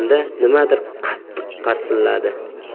yetganda nimadir qattiq qarsilladi